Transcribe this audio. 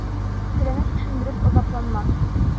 Шәрәне чишендереп азапланма.